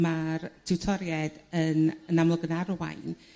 ma'r titoriaid yn yn amlwg yn arwain